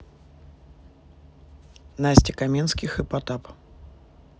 настя каменских и потап